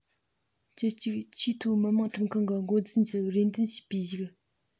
བཅུ གཅིག ཆེས མཐོའི མི དམངས ཁྲིམས ཁང གི འགོ འཛིན གྱིས རེ འདུན ཞུས པར གཞིགས